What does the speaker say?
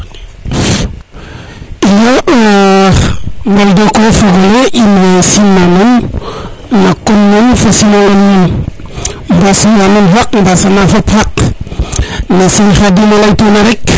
iyo mbaldoko fogole in way sim na nuun na kon nuun fona simangol nuun mbasnuwa nuun xaq i mbasa na fop xaq ne serigne Khadim a ley tuna re